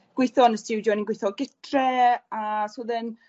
gwitho yn y stiwdio o'n i gwitho o gytre a so odd e'n